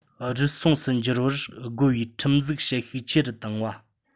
རུལ སུངས སུ འགྱུར བར རྒོལ བའི ཁྲིམས འཛུགས བྱེད ཤུགས ཆེ རུ བཏང བ